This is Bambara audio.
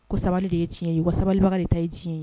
Ko sabali de ye tiɲɛ ye wa sabalibaga de ta ye tiɲɛ ye